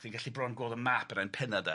Fi'n gallu bron gweld y map yna yn penna de.